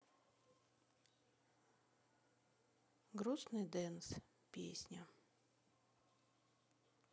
грустный дэнс песня